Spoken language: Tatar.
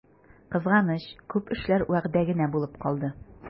Кызганыч, күп эшләр вәгъдә генә булып калды.